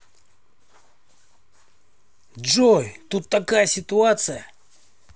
джой тут такая ситуация